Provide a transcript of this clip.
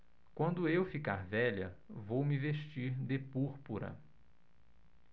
quando eu ficar velha vou me vestir de púrpura